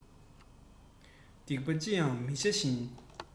སྡིག པ ཅི ཡང མི བྱ ཞིང